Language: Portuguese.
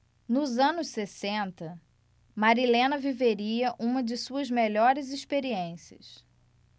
nos anos sessenta marilena viveria uma de suas melhores experiências